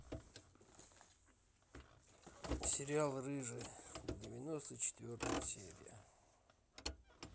сериал рыжая девяносто четвертая серия